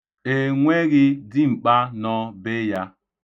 E nweghị dimkpa nọ be ya.